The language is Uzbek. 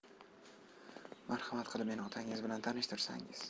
marhamat qilib meni otanggiz bilan tanishtirsangiz